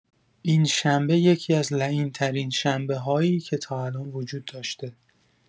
این شنبه یکی‌از لعین‌ترین شنبه‌هایی که تا الان وجود داشته